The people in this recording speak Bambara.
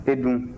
e dun